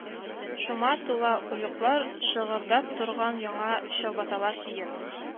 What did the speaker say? Шома тула оеклар, шыгырдап торган яңа чабаталар киеп,